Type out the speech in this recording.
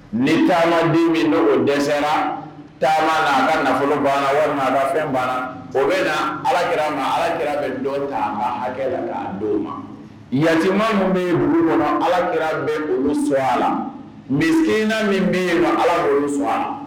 Ni taama di min don o dɛsɛra taama ka nafolo banna walimadɔfɛn banna o bɛ na alakira ma ala yira bɛ dɔ' ma hakɛ la k'a di ma ɲajilima minnu bɛ kɔnɔ ala yira bɛ olu su a laina min bɛ yen ma ala olu a